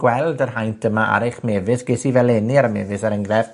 gweld yr haint yma ar eich mefus, ges i fe leni ar 'ym mefus, er enghrefft,